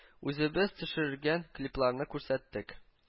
Үзебез төшергән клипларны күрсәттек